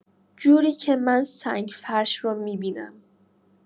جوری که من سنگ‌فرش رو می‌بینم.